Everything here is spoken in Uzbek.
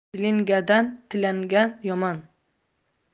tilingandan tilangan yomon